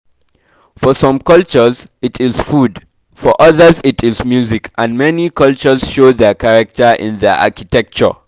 For some cultures, it is food, for others it is music, and many cultures show their character in their architecture.